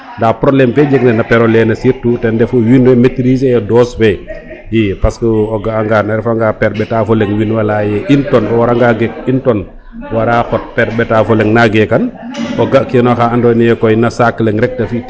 nda probleme ke te jeg na no pero lene surtout ten refu wiin we maitriser e doxe fe i parce que o ga a ngan a refa nga per ɓeta fo leŋ wiin we leaya ye une tonne o wara nga jeg une tonne wara xot per ɓeta fo leŋ o ga kino xa ando naye koy no saak leŋ